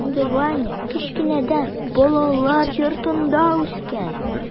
Ә инде ваня кечкенәдән балалар йортында үскән.